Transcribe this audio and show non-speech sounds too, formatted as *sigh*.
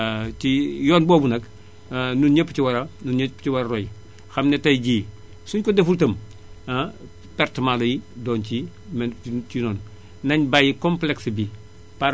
*hesitation* ci yoon boobu nag *hesitation* ñun ñépp a ci war a ñun ñëpp a ci war a roy xam ne tay jii suñu ko deful itam *hesitation* pertement lay doon ci doon ci ñun nañu bàyyi complexe bi